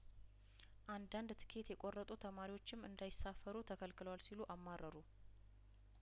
አንዳንድ ትኬት የቆረጡ ተማሪዎችም እንዳይሳፈሩ ተከልክለዋል ሲሉ አማረሩ